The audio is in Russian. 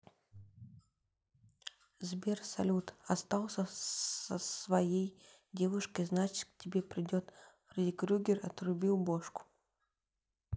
сбер салют остался с своей девушкой значит к тебе придет фредди крюгер отрубил бошку